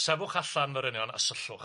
Sefwch allan, forynion, a syllwch.